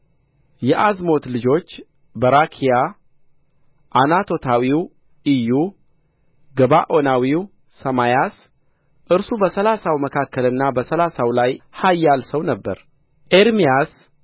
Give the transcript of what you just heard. የዓዝሞት ልጆች በራኪያ ዓናቶታዊው ኢዩ ገባዖናዊው ሰማያስ እርሱ በሠላሳው መካከልና በሠላሳው ላይ ኃያል ሰው ነበረ ኤርምያስ